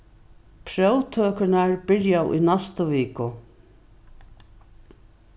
próvtøkurnar byrja í næstu viku